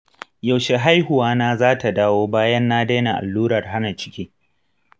yaushe haihuwa na zata dawo bayan na daina allurar hana ciki?